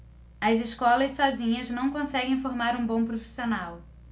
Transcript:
as escolas sozinhas não conseguem formar um bom profissional